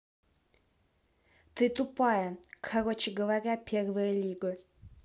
ты тупая короче говоря первая лига